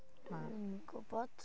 Dwi'm yn gwybod.